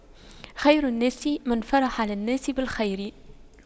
خير الناس من فرح للناس بالخير